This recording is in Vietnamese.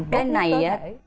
cái này á